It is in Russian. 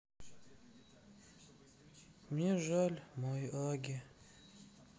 мне жаль miyagi